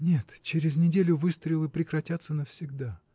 — Нет: через неделю выстрелы прекратятся навсегда.